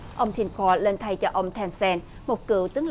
ông thin co lần thầy trò ông then sen một cựu tướng